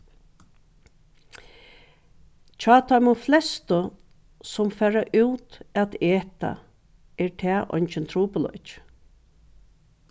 hjá teimum flestu sum fara út at eta er tað eingin trupulleiki